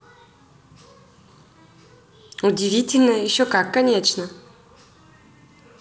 удивительная еще как конечно